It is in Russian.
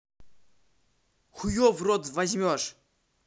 хуев в рот возьмешь